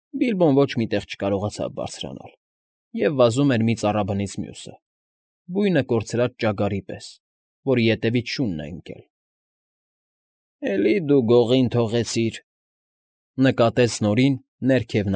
Բիլբոն ոչ մի տեղ չկարողացավ բարձրանալ և վազում էր մի ծառաբնից մյուսը, բույնը կորցրած ճագարի պես, որի ետևից շուն է ընկել։ ֊ Էլի դու գողին թողեցիր…֊ նկատեց Նորին՝ ներքև։